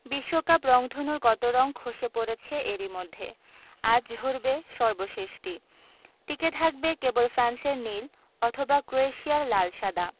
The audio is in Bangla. বিশ্বকাপ রংধনুর কত রং খসে পড়েছে এরই মধ্যে আজ ঝরবে সর্বশেষটি টিকে থাকবে কেবল ফ্রান্সের নীল অথবা ক্রোয়েশিয়ার লাল সাদা